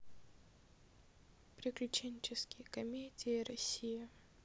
приключенческие комедии россия